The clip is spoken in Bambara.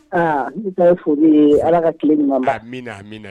Aa an taa foli ye ala ka tile min ma' min na a min na